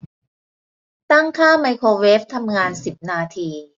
ตั้งค่าไมโครเวฟทำงานสิบนาที